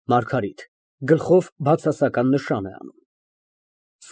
ՄԱՐԳԱՐԻՏ ֊ (Գլխով բացասական նշան է անում)։